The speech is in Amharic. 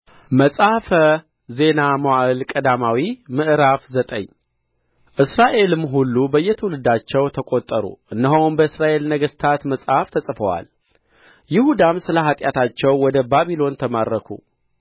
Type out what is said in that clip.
መጽሐፈ ዜና መዋዕል ቀዳማዊ ምዕራፍ ዘጠኝ እስራኤልም ሁሉ በየትውልዳቸው ተቈጠሩ እነሆም በእስራኤል ነገሥታት መጽሐፍ ተጽፈዋል ይሁዳም ስለ ኃጢአታቸው ወደ ባቢሎን ተማረኩ